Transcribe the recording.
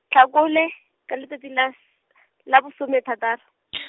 Tlhakole, ka letsatsi la , la bo some thataro .